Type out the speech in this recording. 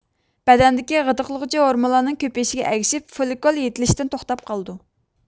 بەدەندە غىدىقلىغۇچى ھورمۇنلارنىڭ كۆپىيىشىگە ئەگىشىپ فوللىكۇل يېتىلىشتىن توختاپ قالىدۇ